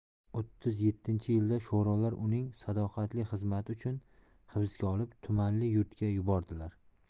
o'ttiz yettinchi yilda sho'rolar uning sadoqatli xizmati uchun hibsga olib tumanli yurtga yubordilar